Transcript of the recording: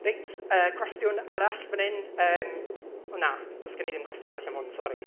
Reit, yy cwestiwn arall fan hyn yym. Na, does gen i ddim cwestiwn arall am hwn, sori.